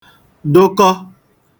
dụkọ